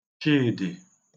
Chidị̀